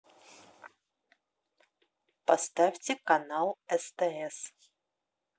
поставьте канал стс